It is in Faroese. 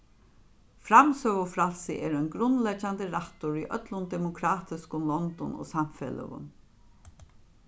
framsøgufrælsi er ein grundleggjandi rættur í øllum demokratiskum londum og samfeløgum